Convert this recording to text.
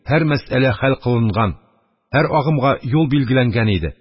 Һәр мәсьәлә хәл кылынган, һәр агымга юл билгеләнгән иде.